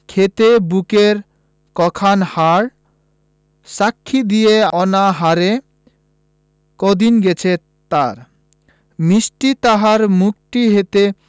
খেতে বুকের কখান হাড় সাক্ষী দিছে অনাহারে কদিন গেছে তার মিষ্টি তাহার মুখ টি হতে